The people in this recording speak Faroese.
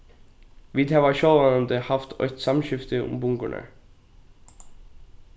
vit hava sjálvandi havt eitt samskifti um bungurnar